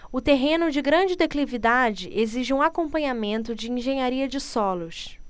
o terreno de grande declividade exige um acompanhamento de engenharia de solos